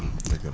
dëgg la